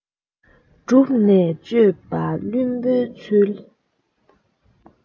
གྲུབ ནས དཔྱོད པ བླུན པོའི ཚུལ